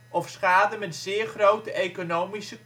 of schade met zeer grote economische